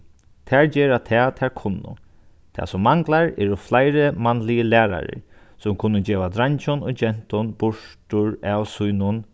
tær gera tað tær kunnu tað sum manglar eru fleiri mannligir lærarar sum kunnu geva dreingjum og gentum burtur av sínum